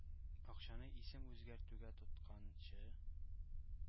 Акчаны исем үзгәртүгә тотканчы,